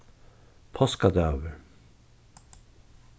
páskadagur